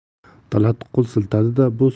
talat qo'l siltadi bu